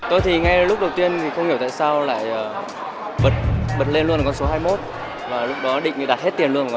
tôi thì ngay lúc đầu tiên thì không hiểu tại sao lại bật bật lên luôn con số hai mốt và lúc đó định đặt hết tiền luôn